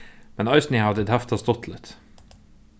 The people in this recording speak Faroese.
men eisini hava tit havt tað stuttligt